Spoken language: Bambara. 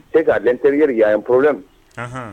E k'a den terikɛri yan a ye porolenme